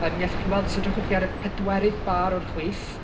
yy mi allwch chi weld, os edrychwch chi ar y pedwerydd bar o'r chwith,